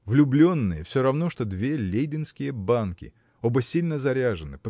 влюбленные – все равно что две лейденские банки: оба сильно заряжены